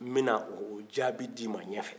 n bɛ na o jaabi d'i ma ɲɛ fɛ